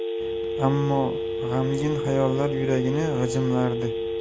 ammo g'amgin xayollar yuragini g'ijimlardi